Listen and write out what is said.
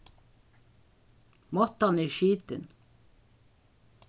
mottan er skitin